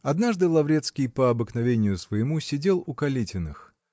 Однажды Лаврецкий, по обыкновению своему, сидел у Калитиных.